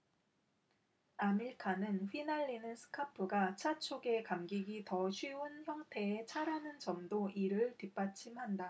아밀카는 휘날리는 스카프가 차축에 감기기 더 쉬운 형태의 차라는 점도 이를 뒷받침한다